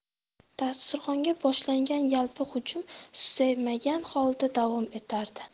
dasturxonga boshlangan yalpi hujum susaymagan holda davom etardi